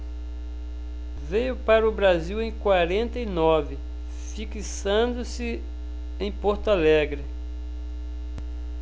veio para o brasil em quarenta e nove fixando-se em porto alegre